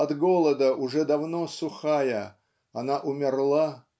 от голода уже давно сухая она умерла